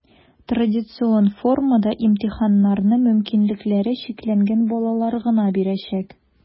Традицион формада имтиханнарны мөмкинлекләре чикләнгән балалар гына бирәчәк.